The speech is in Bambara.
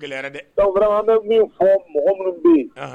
A gɛlɛya dɛ! Sabu vraiment bɛ min h mɔgɔ minnu bɛ yen, anhan.